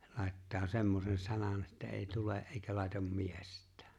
ja laittaa semmoisen sanan että ei tule eikä laita miestään